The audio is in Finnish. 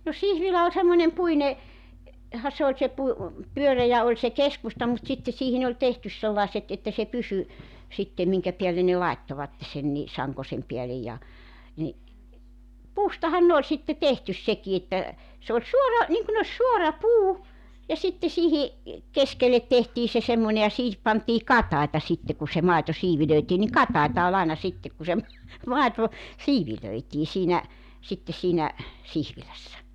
no siivilä oli semmoinen - puinenhan se oli se - pyöreä oli se keskusta mutta sitten siihen oli tehty sellaiset että se pysyi sitten minkä päälle ne laittoivat sen niin sankonsa päälle ja niin puustahan ne oli sitten tehty sekin että se oli suora niin kuin olisi suora puu ja sitten siihen keskelle tehtiin se semmoinen ja siihen pantiin katajia sitten kun se maito siivilöitiin niin katajia oli aina sitten kun se - maito siivilöitiin siinä sitten siinä siivilässä